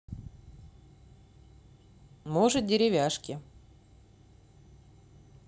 может деревяшки